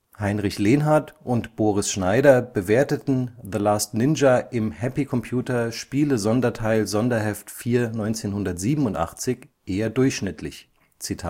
Heinrich Lenhardt und Boris Schneider bewerteten The Last Ninja im Happy Computer Spiele-Sonderteil Sonderheft 4/87 eher durchschnittlich: „ Die